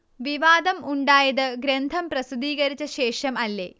വിവാദം ഉണ്ടായത് ഗ്രന്ഥം പ്രസിദ്ധീകരിച്ച ശേഷം അല്ലേ